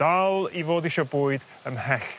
dal i fod isio bwyd ym mhell